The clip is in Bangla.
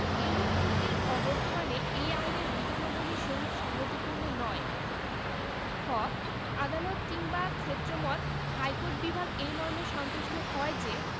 এইরূপ চুক্তির অবর্তমানে এই আইনের বিধানাবলীর সহিত সংগতিপূর্ণ নয় খ আদালত কিংবা ক্ষেত্রমত হাইকোর্ট বিভাগ এই মর্মে সন্তুষ্ট হয় যে